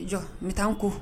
Jɔ n bɛ taaan ko